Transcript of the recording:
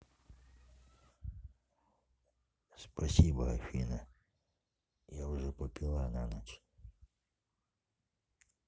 спасибо афина я уже попила на ночь